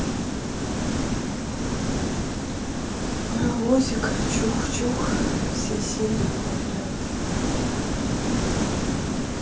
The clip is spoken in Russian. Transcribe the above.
паровозик чух чух все серии подряд